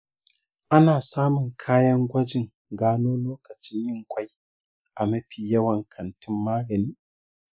ana samun kayan gwajin gano lokacin yin ƙwai a mafi yawan kantin magani .